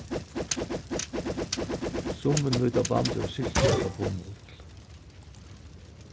summi nýta band úr silki ella bummull